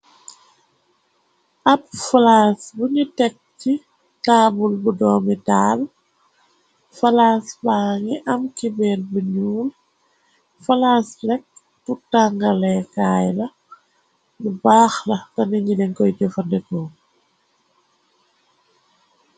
Ab falaas buñu tekk ci taabul bu doomi daal falas ba ngi am kibeer bi nuul falans rekk tuttangale kaay la lu baax lax bana nilen koy jofa ndekoo.